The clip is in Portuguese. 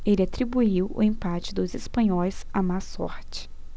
ele atribuiu o empate dos espanhóis à má sorte